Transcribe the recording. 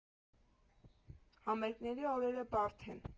Համերգների օրերը բարդ են.